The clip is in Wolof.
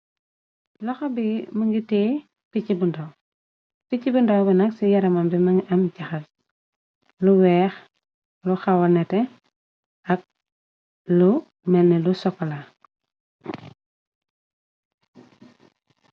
loxa bi mugi teeyeh pichi bundaw pichi bundaw bi nag ci yaraman bi mëngi am jaxal lu weex lu xawa nete ak lu melne lu sokola.